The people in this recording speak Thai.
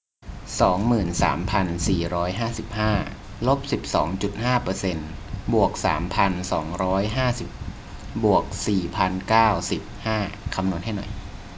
สองหมื่นสามพันสี่ร้อยห้าสิบห้าลบสิบสองจุดห้าเปอร์เซนต์บวกสามพันสองร้อยห้าสิบบวกสี่พันเก้าสิบห้าคำนวณให้หน่อย